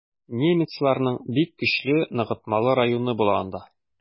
Немецларның бик көчле ныгытмалы районы була анда.